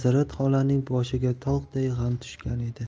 xolaning boshiga tog'day g'am tushgan edi